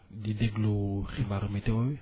di déglu xibaar météo yi